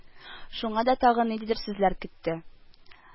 Шуңа да тагын ниндидер сүзләр көтте